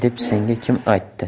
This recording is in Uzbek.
deb senga kim aytdi